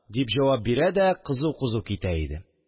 Дип җавап бирә дә кызу-кызу китә иде